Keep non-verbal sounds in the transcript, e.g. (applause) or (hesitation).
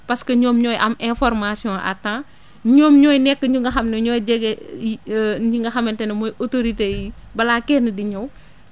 parce que ñoom ñooy am information à temps ñoom ñooy nekk ñi nga xam ne ñooy jege (hesitation) ñi nga xamante ne mooy autorité yi balaa kenn di ñëw